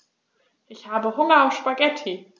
Ich habe Hunger auf Spaghetti.